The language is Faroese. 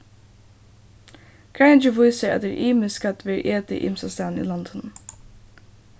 greiningin vísir at tað er ymiskt hvat verður etið ymsastaðni í landinum